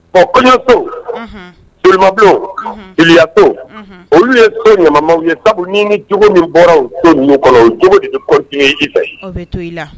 Bon kɔɲɔ to folimabu jeliya to olu ye to ɲamamaw ye ta ni ni cogo min bɔra to kɔnɔ o cogo de kɔɲɔ ta to la